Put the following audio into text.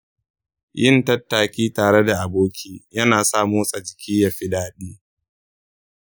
yin tattaki tare da aboki yana sa motsa jiki ya fi daɗi.